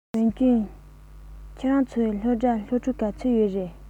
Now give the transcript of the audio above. ཝུན ཅུན ཁྱོད རང ཚོའི སློབ གྲྭར སློབ ཕྲུག ག ཚོད ཡོད རེད